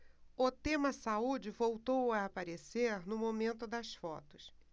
o tema saúde voltou a aparecer no momento das fotos